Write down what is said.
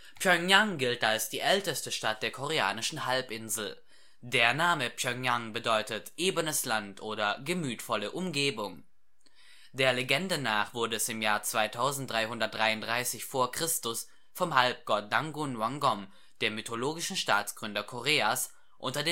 Pjöngjang gilt als die älteste Stadt der Koreanischen Halbinsel. Der Name Pjöngjang bedeutet „ ebenes Land “oder „ gemütvolle Umgebung “. Der Legende nach wurde es im Jahr 2333 v. Chr. vom Halbgott Dangun Wanggeom, dem mythologischen Staatsgründer Koreas, unter